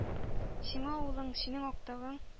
Сиңа улың — синең актыгың